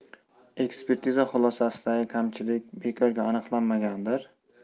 ekspertiza xulosasidagi kamchilik bekorga aniqlanmagandir